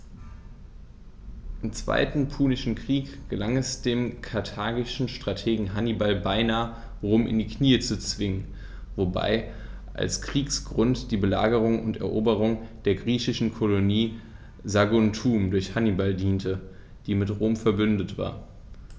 Im Zweiten Punischen Krieg gelang es dem karthagischen Strategen Hannibal beinahe, Rom in die Knie zu zwingen, wobei als Kriegsgrund die Belagerung und Eroberung der griechischen Kolonie Saguntum durch Hannibal diente, die mit Rom „verbündet“ war.